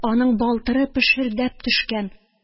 Аның балтыры пешердәп төшкән.